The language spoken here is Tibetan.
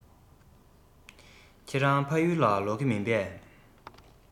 ཁྱེད རང ཕ ཡུལ ལ ལོག གི མིན པས